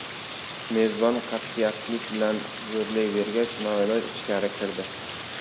mezbon qat'iyatlik bilan zo'rlayvergach noiloj ichkari kirdi